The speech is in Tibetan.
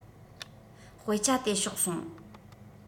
དཔེ ཆ དེ ཕྱོགས སོང